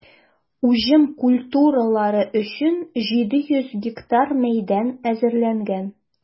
Уҗым культуралары өчен 700 га мәйдан әзерләнгән.